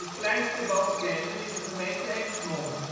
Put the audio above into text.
kleinste woonkernen in de gemeente Eemsmond